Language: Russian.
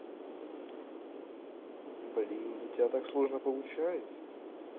блин у тебя так сложно получается